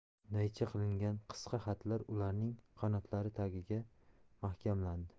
naycha qilingan qisqa xatlar ularning qanotlari tagiga mahkamlandi